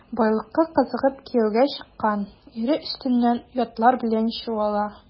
Байлыкка кызыгып кияүгә чыккан, ире өстеннән ятлар белән чуала.